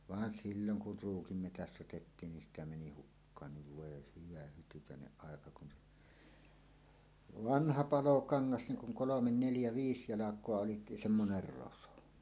vaan silloin kun Ruukin metsästä otettiin niin sitä meni hukkaankin voi hyvä hytykäinen aika kun vanha palokangas niin kun kolme neljä viis jalkaa oli semmoinen roso